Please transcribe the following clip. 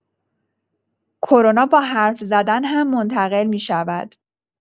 کرونا با حرف‌زدن هم منتقل می‌شود!